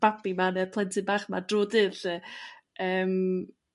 babi 'ma ne'r plentyn bach 'ma drw'r dydd 'lly yrm